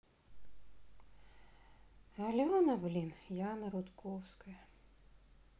алена блин яна рудковская